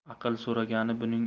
aql so'ragani buning